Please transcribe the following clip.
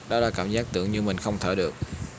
đó là cảm giác tưởng như mình không thở được